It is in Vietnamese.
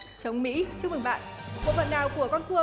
chống mỹ chúc mừng bạn bộ phận nào của con cua